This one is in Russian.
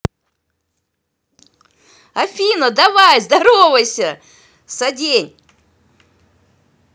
афина давай здоровайся со день